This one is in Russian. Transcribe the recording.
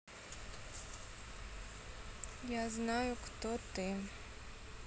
я знаю кто ты